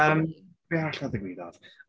Yym be arall 'na ddigwyddodd?